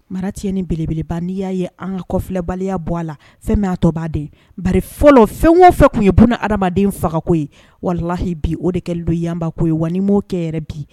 Mara ti ni belebeleba n'i y'a ye an ka kɔlɛbaliya bɔ a la fɛn mtɔbaa de ba fɔlɔ fɛn wo fɛ tun ye kun adamadamaden fagako ye walahi bi o de kɛ lu yanbako ye wa ni'o kɛ yɛrɛ bi